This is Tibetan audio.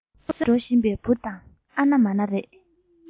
གསོན པོ འགྲོ བཞིན པའི འབུ དང ཨ ན མ ན རེད